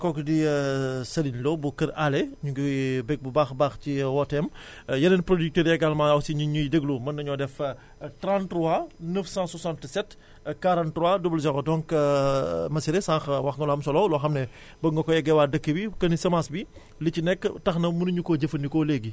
kooku di Serigne Lo bu Kër Allé ñu ngi bég bu baax a baax ci wooteem yeneen producteurs yi également aussi ñu ngi ñuy déglu mën nañoo def 33 967 43 00 donc Massiré sànq wax nga lu am solo loo xam ne bëgg nga ko eggee waa ëkk bi que ni semence bi li ci nekk tax na munuñu koo jëfandikoo léegi